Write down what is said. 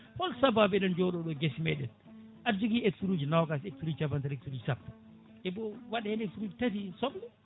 hol sababu eɗen joɗoɗo guese meɗen aɗa jogui hectares uji nogas hectares capantati sa hectares uji sappo ebo waat hen hectares uji tati soble